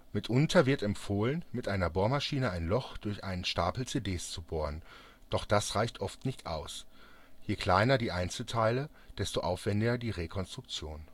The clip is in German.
Mitunter wird empfohlen, mit einer Bohrmaschine ein Loch durch einen Stapel CDs zu bohren, doch das reicht oft nicht aus. Je kleiner die Einzelteile, desto aufwendiger die Rekonstruktion